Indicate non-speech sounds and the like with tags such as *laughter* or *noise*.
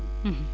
*hesitation* *hesitation*